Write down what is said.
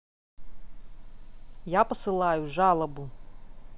я посылаю жалобу